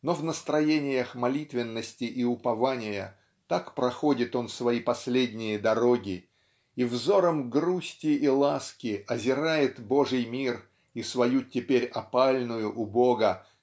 но в настроениях молитвенности и упования -- так проходит он свои последние дороги и взором грусти и ласки озирает Божий мир и свою теперь опальную у Бога